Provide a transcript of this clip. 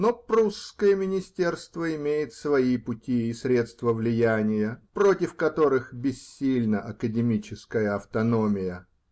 Но прусское министерство имеет свои пути и средства влияния, против которых бессильна академическая автономия.